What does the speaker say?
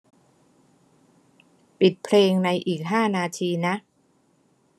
ปิดเพลงในอีกห้านาทีนะ